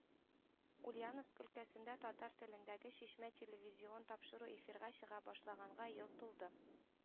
Ульяновск өлкәсендә татар телендәге “Чишмә” телевизион тапшыруы эфирга чыга башлаганга ел тулды